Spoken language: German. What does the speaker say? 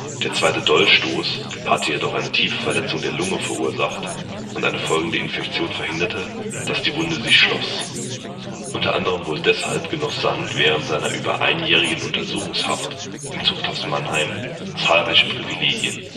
Der zweite Dolchstoß hatte jedoch eine tiefe Verletzung der Lunge verursacht, und eine folgende Infektion verhinderte, dass die Wunde sich schloss. Unter anderem wohl deshalb genoss Sand während seiner über einjährigen Untersuchungshaft im Zuchthaus Mannheim zahlreiche Privilegien